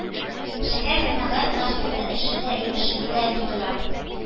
Шәһәр җәмәгать транспорты эше дә шелтә тудыра